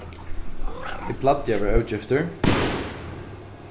eg plagdi at vera ógiftur